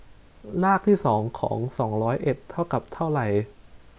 รากที่สองของสองร้อยเอ็ดเท่ากับเท่าไหร่